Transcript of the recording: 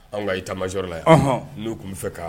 An ka i tamamasila n'u tun b bɛ fɛ k'